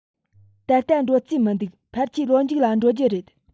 ད ལྟ འགྲོ རྩིས མི འདུག ཕལ ཆེར ལོ མཇུག ལ འགྲོ རྒྱུ རེད